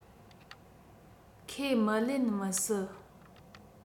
ཁས མི ལེན མི སྲིད